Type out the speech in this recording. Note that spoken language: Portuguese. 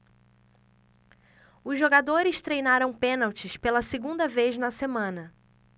os jogadores treinaram pênaltis pela segunda vez na semana